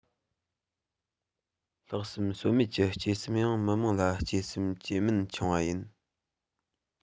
ལྷག བསམ ཟོལ མེད ཀྱི གཅེས སེམས ཡང མི དམངས ལ གཅེས སེམས བཅོས མིན འཆང བ ཡིན